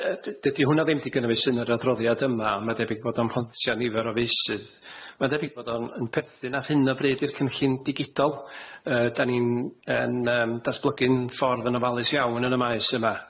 Ie dy- dydi hwnna ddim 'di gynnwys yn yr adroddiad yma ond ma'n debyg bod o'n pontio nifer o feysydd ma'n debyg bod o'n yn perthyn ar hyn o bryd i'r cynllun digidol yy 'dan ni'n yn yym datblygu'n ffordd yn ofalus iawn yn y maes yma.